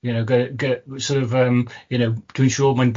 you know, g- g- sor of yym, you know, dwi'n siŵr mae'n bos-